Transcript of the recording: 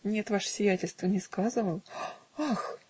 -- Нет, ваше сиятельство, не сказывал. Ах!